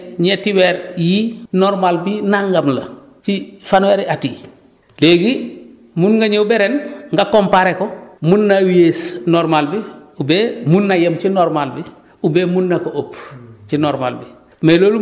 léegi su ñu nee ñetti weer yii normal bi nangam la ci fanweeri at yi léegi mun nga ñëw ba ren nga comparer ko mun naa yées normal bi oubien mun na yem ci normal :frabi oubien mun na ko ëpp